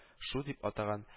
Шу дип атаган